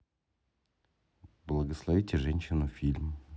благословите женщину фильм